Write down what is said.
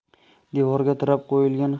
devorga tirab qo'yilgan